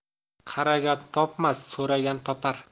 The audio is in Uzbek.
qaragan topmas so'ragan topar